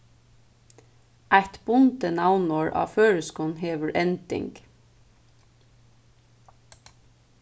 eitt bundið navnorð á føroyskum hevur ending